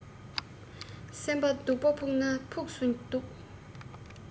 སེམས པ སྡུག པ ཕུགས ནས ཕུགས སུ སྡུག